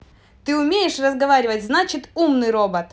ты умеешь разговаривать значит умный робот